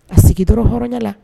A sigi dɔrɔn hɔrɔnya la